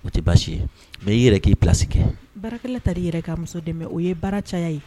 O tɛ basi ye mais i yɛrɛ k'i place kɛ. Baarakɛla tali yɛrɛ ka muso dɛmɛ o ye baara caya ye.